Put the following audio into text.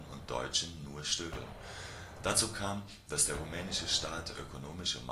Deutschen nur stören. Dazu kam, dass der rumänische Staat ökonomischen